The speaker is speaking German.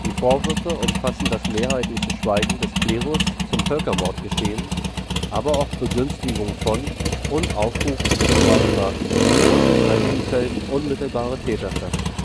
Vorwürfe umfassen das mehrheitliche Schweigen des Klerus zum Völkermordgeschehen, aber auch Begünstigung von und Aufruf zu Straftaten und in einigen Fällen unmittelbare Täterschaft